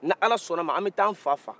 n'i ala sɔnna a ma an bɛ taa an fa faga